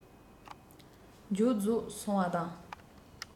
མཇུག རྫོགས སོང བ དང